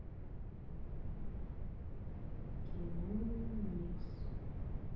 кино микс